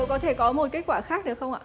có thể có một kết quả khác được không ạ